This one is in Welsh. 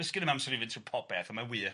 D'us dim amser i fynd trwy popeth a mae'n wir